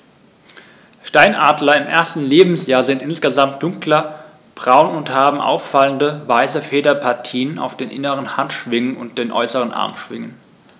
Steinadler im ersten Lebensjahr sind insgesamt dunkler braun und haben auffallende, weiße Federpartien auf den inneren Handschwingen und den äußeren Armschwingen.